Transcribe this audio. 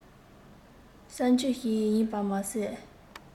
གསར འགྱུར ཞིག ཡིན པ མ ཟད